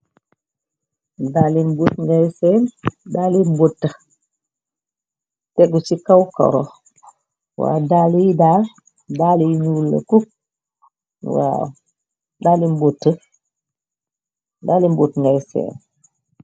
Dali mbot ngay seen dali mbotax, tegu ci kaw karo, wa dali yi daal dali ñuul la dali nbotax ngay seen.